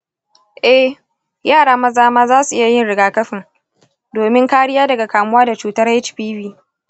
eh, yara maza ma za su iya yin rigakafin, domin kariya daga kamuwa da cutar hpv.